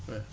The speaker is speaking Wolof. oui